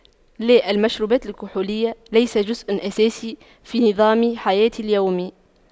لا المشروبات الكحولية ليس جزء أساسي في نظام حياتي اليومي